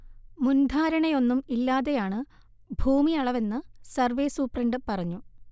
മുൻധാരണയൊന്നും ഇല്ലാതെയാണ് ഭൂമി അളവെന്ന് സർവേ സൂപ്രണ്ട് പറഞ്ഞു